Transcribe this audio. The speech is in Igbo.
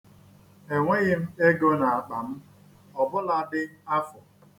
Enweghi m ego n'akpa m. Ọ bụladị afụ!